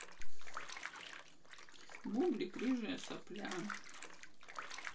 бублик рыжая сопля